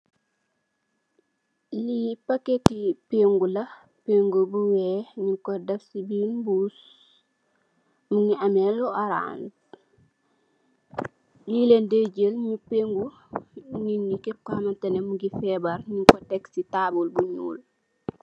Li packeti pengu la pengu bu weex dew nyun ko def si birr mbuss mongi ame lu ogrance li len deh jeel nyu pangu nit yi xamantenex mongi febar nyu ko tek si tabul.